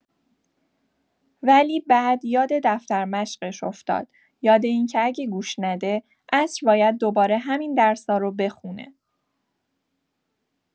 ولی بعد یاد دفتر مشقش افتاد، یاد این که اگه گوش نده، عصر باید دوباره همین درسارو بخونه.